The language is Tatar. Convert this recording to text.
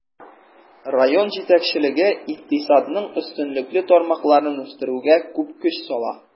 Район җитәкчелеге икътисадның өстенлекле тармакларын үстерүгә күп көч сала.